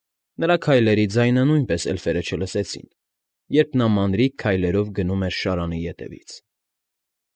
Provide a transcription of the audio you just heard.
Նրա քայլերի ձայնը նույնիսկ էլֆերը չլսեցին, երբ նա մանրիկ քայլերով գնում էր շարանի ետևից։